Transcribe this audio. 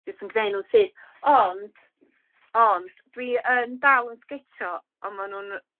Jys yn gneud nw'n syth. Ond, ond dwi yn dal yn sgetsio on' ma' nw'n yy